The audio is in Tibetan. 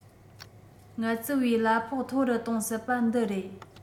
ངལ རྩོལ པའི གླ ཕོགས མཐོ རུ གཏོང སྲིད པ འདི རེད